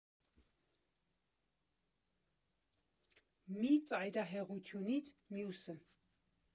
Մի ծայրահեղությունից մյուսը։